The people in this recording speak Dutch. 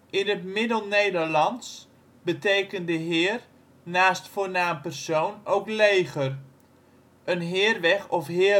In het Middelnederlands betekende " heer " naast " voornaam persoon " ook " leger ". Een heerweg of heirbaan